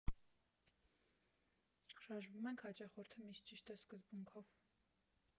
֊ Շարժվում ենք «հաճախորդը միշտ ճիշտ է» սկզբունքով։